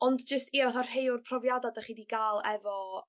Ond jyst ie fath o rhei o'r profiada 'dach chi 'di ga'l efo